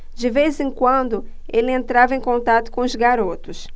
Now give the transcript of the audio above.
de vez em quando ele entrava em contato com os garotos